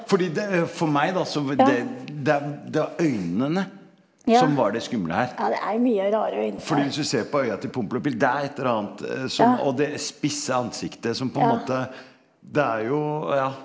fordi det for meg da så det det er det var øynene som var det skumle her, fordi hvis du ser på øya til Pompel og Pilt, det er et eller annet som og det spisse ansiktet som på en måte det er jo ja.